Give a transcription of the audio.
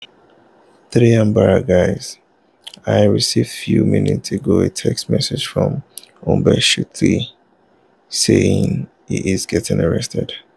3arabawyGuys, I received few mins ago a text message from @msheshtawy saying he's getting arrested.